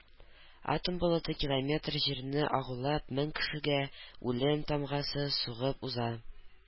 Атом болыты километр җирне агулап мең кешегә үлем тамгасы сугып уза.